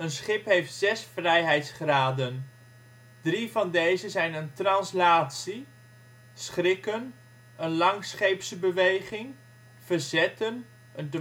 schip heeft zes vrijheidsgraden: Drie van deze zijn een translatie: Schrikken (surge) (langsscheepse beweging) Verzetten (sway) (dwarsscheepse